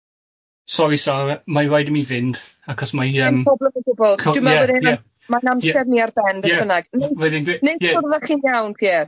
Sori Sara mae rhaid i mi fynd acos mae yym... Dim problem o gwbl, dwi'n meddwl bod e'n ma'n amser i fynd ar ben beth bynnag nei- neis cwrdd â chi'n iawn Pierre.